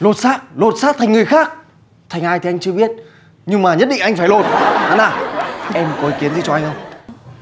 lột xác lột xác thành người khác thành ai thì anh chưa biết nhưng mà nhất định phải lột ngân lan em có ý kiến gì cho anh không